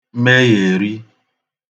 meghèri